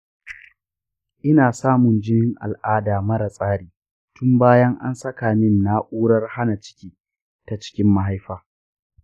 ina samun jinin al'ada mara tsari tun bayan an saka min na’urar hana ciki ta cikin mahaifa.